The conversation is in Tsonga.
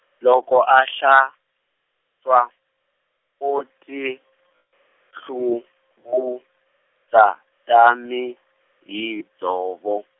loko a hlantswa, o ti, tlhuvutsa tani hi dzovo.